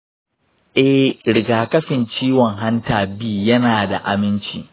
eh, rigakafin ciwon hanta b yana da aminci.